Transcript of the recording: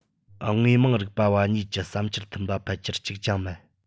དངོས མང རིག པ བ གཉིས ཀྱི བསམ འཆར མཐུན པ ཕལ ཆེར གཅིག ཀྱང མེད